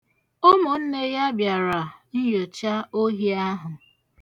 Ụmụnne ya bịara nnyocha ohi ahụ.